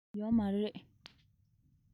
ཡོད མ རེད